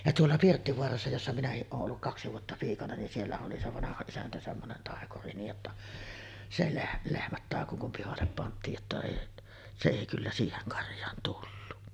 ja tuolla Pirttivaarassa jossa minäkin olen ollut kaksi vuotta piikana niin siellä oli se vanha isäntä semmoinen taikuri niin jotta se - lehmät taikoi kun pihalle pantiin jotta ei se ei kyllä siihen karjaan tullut